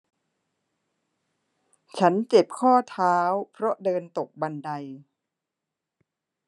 ฉันเจ็บข้อเท้าเพราะเดินตกบันได